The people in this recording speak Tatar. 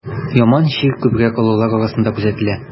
Яман чир күбрәк олылар арасында күзәтелә.